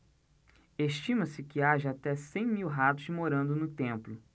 estima-se que haja até cem mil ratos morando no templo